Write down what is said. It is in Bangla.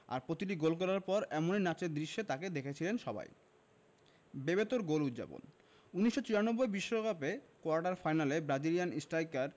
বিশ্বকাপজুড়ে চারটি গোল করেছিলেন সেবার আর প্রতিটি গোল করার পর এমনই নাচের দৃশ্যে তাঁকে দেখেছিলেন সবাই বেবেতোর গোল উদ্যাপন ১৯৯৪ বিশ্বকাপে কোয়ার্টার ফাইনালে ব্রাজিলিয়ান স্ট্রাইকার